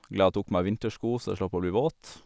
Glad jeg tok på meg vintersko så jeg slapp å bli våt.